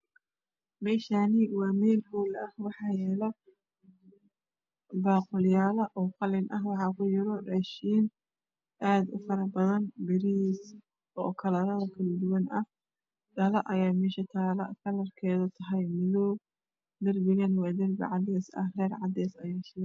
Meeshaan waa meel hool ah waxaa yaalo baaquliyaal qalin ah waxaa kujiro raashin aad u faro badan oo bariis kalaradiisu kala duwan yahay. Dhalo ayaa meesha taalo oo madow ah. Darbiga waa cadeys leyr cadaan ah ayaa kashidan.